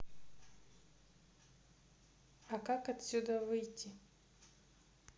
а как отсюда выйти